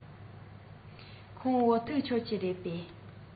ཁོང བོད ཐུག མཆོད ཀྱི རེད པས